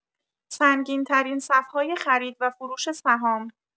سنگین‌ترین صف‌های خرید و فروش سهام